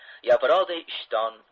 yaproqday ishton